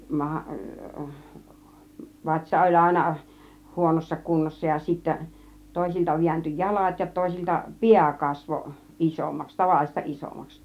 maha vatsa oli aina huonossa kunnossa ja sitten toisilta vääntyi jalat ja toisilta pää kasvoi isommaksi tavallista isommaksi